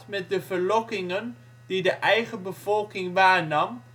verlokkingen die de eigen bevolking waarnam